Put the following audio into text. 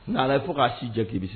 N'ala fo k'a si jɛ k'i bi